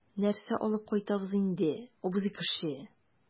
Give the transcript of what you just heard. Нәрсә алып кайтабыз инде, абзый кеше?